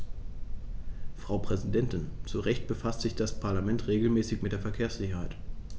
Frau Präsidentin, zu Recht befasst sich das Parlament regelmäßig mit der Verkehrssicherheit.